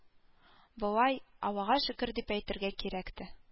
Болай, Аллага шөкер дип әйтергә кирәкте